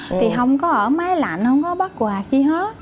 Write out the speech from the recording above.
thì không có ở máy lạnh hông có bất hòa chi hết